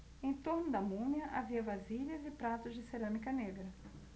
em torno da múmia havia vasilhas e pratos de cerâmica negra